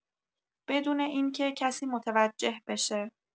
بدون اینکه کسی متوجه بشه